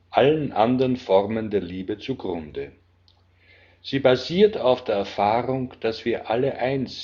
allen anderen Formen der Liebe zugrunde. Sie basiert auf der Erfahrung, dass wir alle eins